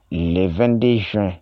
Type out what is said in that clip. le2den sonun